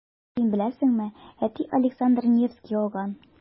Ә син беләсеңме, әти Александр Невский алган.